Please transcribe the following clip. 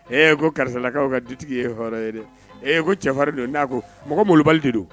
Ee ko karisalakaw ka dutigi ye hɔrɔn ye dɛ ko cɛfarin don n'a ko mɔgɔ mobali de do